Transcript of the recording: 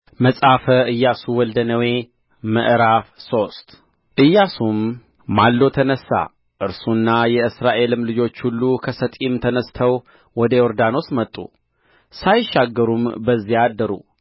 መጽሐፈ ኢያሱ ወልደ ነዌ ምዕራፍ ሶስት ኢያሱም ማልዶ ተነሣ እርሱና የእስራኤልም ልጆች ሁሉ ከሰጢም ተነሥተው ወደ ዮርዳኖስ መጡ ሳይሻገሩም በዚያ አደሩ